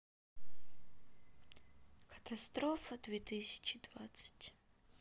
катастрофа две тысячи двадцать